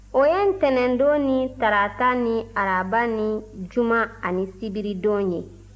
o ye ntɛnɛndon ni tarata ni araba ni juma ani sibiridon ye